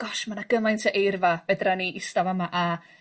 Gosh ma' 'na gymaint o eirfa fedran ni ista fama a